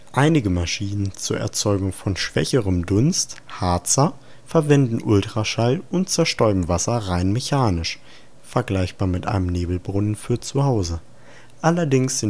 Einige Maschinen zur Erzeugung von schwächerem Dunst (Hazer) verwenden Ultraschall und zerstäuben Wasser rein mechanisch, vergleichbar mit einem Nebelbrunnen für zu Hause, allerdings